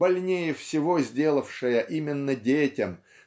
больнее всего сделавшая именно детям